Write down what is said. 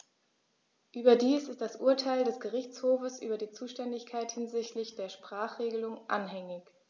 Überdies ist das Urteil des Gerichtshofes über die Zuständigkeit hinsichtlich der Sprachenregelung anhängig.